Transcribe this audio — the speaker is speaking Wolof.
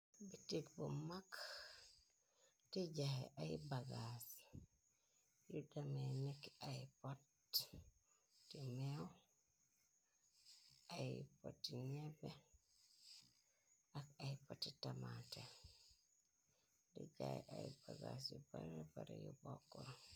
Biteek bu mag dijaay ay bagaas yi yu game nikk ay pot ti meew ay poti nebbe ak ay poti tamanté dijaay ay bagaas yi bari bare yu bokk.